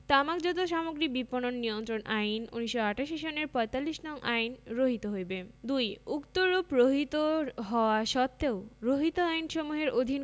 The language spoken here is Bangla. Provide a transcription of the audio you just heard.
তামাকজাত সামগ্রী বিপণন নিয়ন্ত্রণ আইন ১৯৮৮ সনের ৪৫ নং আইন রহিত হইবে ২ উক্তরূপ রহিত হওয়া সত্ত্বেও রহিত আইনসমূহের অধীন